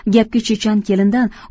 gapga chechan kelindan